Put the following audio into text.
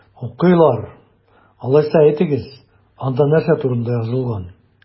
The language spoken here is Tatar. Укыйлар! Алайса, әйтегез, анда нәрсә турында язылган?